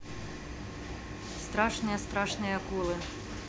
страшные страшные акулы